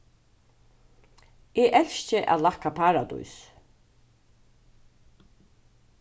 eg elski at lakka paradís